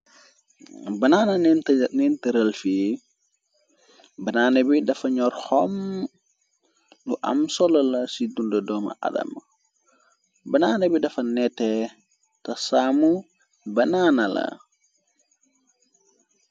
Banana nent rëlfi banana bi dafa ñoor xom lu am solola ci dund dooma adam banaana bi dafa nette te saamu bananala.